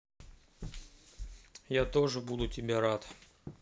я тоже буду тебя рад